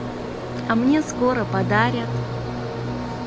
а мне скоро подарят